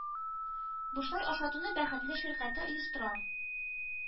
Бушлай ашатуны Бәхетле ширкате оештыра